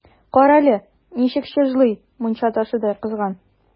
Кара әле, ничек чыжлый, мунча ташыдай кызган!